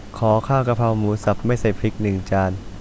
ขอข้าวกะเพราหมูสับไม่ใส่พริกหนึ่งจาน